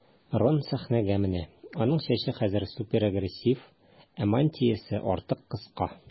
Рон сәхнәгә менә, аның чәче хәзер суперагрессив, ә мантиясе артык кыска.